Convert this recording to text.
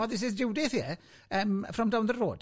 Oh, this is Judith here, from down the road.